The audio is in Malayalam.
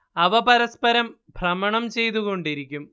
അവ പരസ്പരം ഭ്രമണം ചെയ്തുകൊണ്ടിരിക്കും